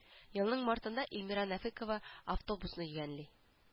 Елның мартында илмира нәфыйкова автобусны йөгәнли